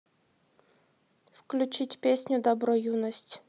включить песню добро юность